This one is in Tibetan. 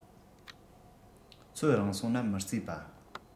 ཚོད རིང སོང ན མི རྩེ པ